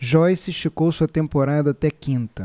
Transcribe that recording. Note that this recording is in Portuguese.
joice esticou sua temporada até quinta